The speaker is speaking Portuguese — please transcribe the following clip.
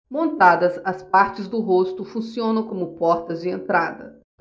montadas as partes do rosto funcionam como portas de entrada